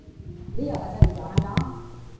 lý do tại sao chị chọn anh đó